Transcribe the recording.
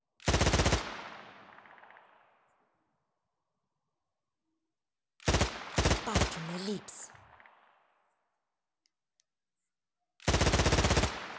папина липс